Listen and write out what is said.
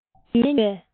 འཇིག རྟེན ཉུལ བའི